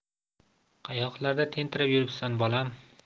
qayoqlarda tentirab yuribsan bolam